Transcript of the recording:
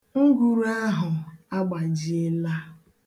Nguru ahụ agbajiela.